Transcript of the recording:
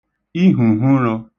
ihwùhwərō